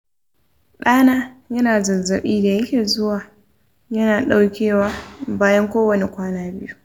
ɗana yana da zazzabi da yake zuwa yana ɗaukewa bayan kowane kwana biyu